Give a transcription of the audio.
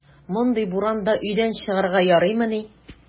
Мондый буранда өйдән чыгарга ярыймыни!